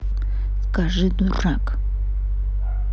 скажи дурак